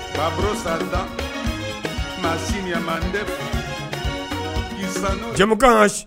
Baro sa maa si ɲɛ bɛsan jamukan